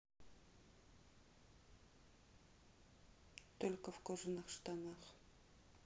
только в кожаных штанах